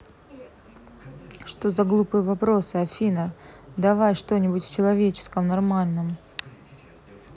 что за глупые вопросы афина давай что нибудь в человеческом нормальном